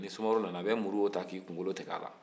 ni sumaworo nana a bɛ muru o ta k'i kunkolo tigɛ a la